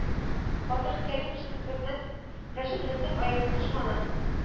Фатих Кәрим кешелексезлекнең, вәхшилекнең аяусыз дошманы